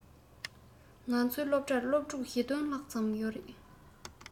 ང ཚོའི སློབ གྲྭར སློབ ཕྲུག ༤༠༠༠ ལྷག ཙམ ཡོད རེད